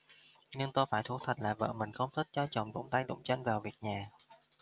nhưng tôi phải thú thật là vợ mình không thích cho chồng đụng tay đụng chân vào việc nhà